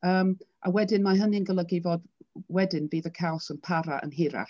Yym a wedyn mae hynny'n golygu fod wedyn bydd y caws yn para yn hirach.